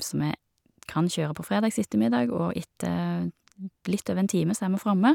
Så vi kan kjøre på fredags ettermiddag, og etter litt over en time så er vi framme.